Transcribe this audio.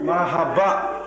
marahaba